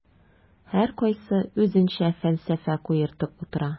Һәркайсы үзенчә фәлсәфә куертып утыра.